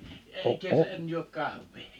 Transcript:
- en en juo kahvia